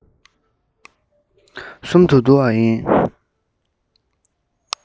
གསུམ དུ འདུ བ ཡིན